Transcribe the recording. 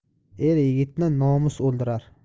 er yigitni nomus o'ldirar